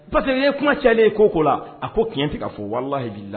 Bat ye kuma calen ye ko ko la a ko tiɲɛ tigɛ ka fɔ walalahi b'i la